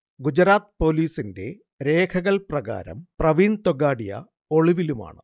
ഗുജറാത്ത് പൊലീസിന്റെ രേഖകൾ പ്രകാരം പ്രവീൺ തൊഗാഡിയ ഒളിവിലുമാണ്